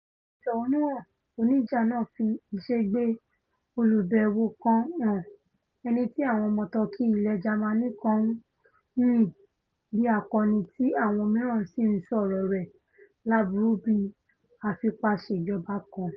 Àwọn ìfẹ̀hónúhàn oníjà náà fi ìṣègbè olùbẹ̀wò kan hàn ẹniti àwọn ọmọ Tọki ilẹ̀ Jamani kan ńyìn bí akọni tí àwọn mìíràn sì ńsọ̀rọ̀ rẹ̀ láburú bí afipáṣejọba kan.